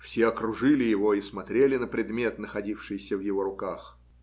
все окружили его и смотрели на предмет, находившийся в его руках.